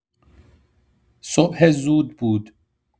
صبح زود بود.